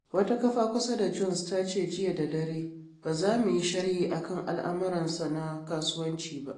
Wata kafa kusa da Jones ta ce jiya da dare “Ba za mu yi sharhi a kan al’amuransa na kasuwanci ba.”